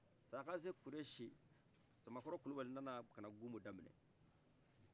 sarakasi kurɛsi samakɔrɔ kulubali nana ka na gumo da minɛ